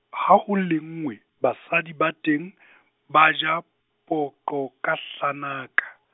ha ho lenngwe, basadi ba teng, ba ja, poqo, ka hlanaka.